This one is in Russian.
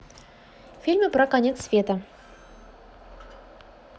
фильмы про конец света